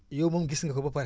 yow moom gis nga ko ba pare